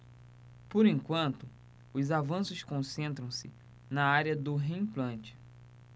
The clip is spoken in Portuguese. por enquanto os avanços concentram-se na área do reimplante